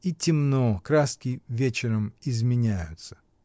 И темно: краски вечером изменяются.